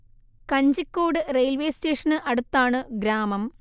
Kanjikode railway സ്റ്റേഷന് അടുത്താണ് ഗ്രാമം